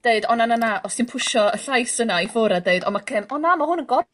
deud o na na na os ti'n pwsio y llais yna i ffwr' a deud on' ma' cem- o na ma hwn yn gor-